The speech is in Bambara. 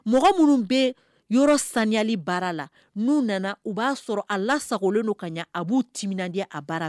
Mɔgɔ minnu bɛ yɔrɔ saniyali baara la n'u nana u b'a sɔrɔ a lasagolen don ka ɲɛ a b'u timinadiya a baara